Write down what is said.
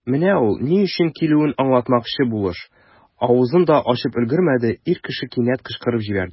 Менә ул, ни өчен килүен аңлатмакчы булыш, авызын да ачып өлгермәде, ир кеше кинәт кычкырып җибәрде.